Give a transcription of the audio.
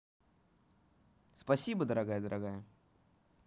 спасибо дорогая дорогая